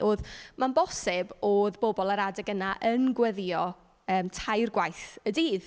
oedd mae'n bosib oedd bobl yr adeg yna yn gweddïo yym tair gwaith y dydd.